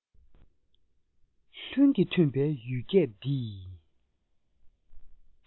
ལྷུན གྱིས ཐོན པའི ཡུལ སྐད འདིས